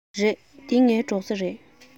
རེད འདི ངའི སྒྲོག རྩེ རེད